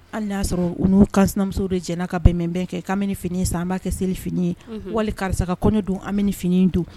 Hali n'a y'a sɔrɔ on'u kansinamusow de jɛ na ka bɛnbɛnbɛn kɛ k'an bɛ ni fini in san an b'a kɛ seli fini ye wali karisa ka kɔɲɔ don an bɛ ni fini